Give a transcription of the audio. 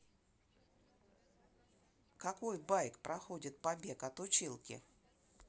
какой байк проходит побег от училки